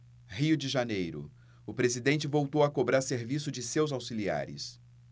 rio de janeiro o presidente voltou a cobrar serviço de seus auxiliares